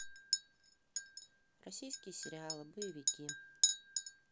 российские сериалы боевики